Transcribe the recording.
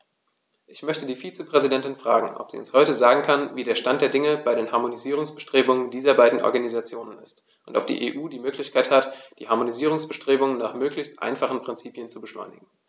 Ich möchte die Vizepräsidentin fragen, ob sie uns heute sagen kann, wie der Stand der Dinge bei den Harmonisierungsbestrebungen dieser beiden Organisationen ist, und ob die EU die Möglichkeit hat, die Harmonisierungsbestrebungen nach möglichst einfachen Prinzipien zu beschleunigen.